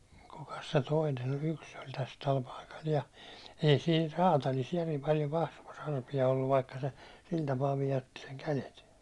ja - kukas se toinen oli yksi oli tässä tällä paikalla ja ei siinä räätälissä järin paljon kasvoissa arpia ollut vaikka se sillä tapaa vioitti sen kädet